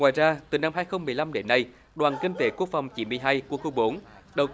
ngoài ra từ năm hai không mười lăm đến nay đoàn kinh tế quốc phòng chỉ huy hay quân khu bốn đầu tư